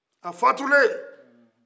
a fatulen